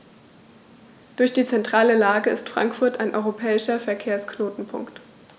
Durch die zentrale Lage ist Frankfurt ein europäischer Verkehrsknotenpunkt.